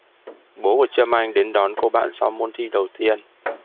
bố của trâm anh đến đón cô bạn sau môn thi đầu tiên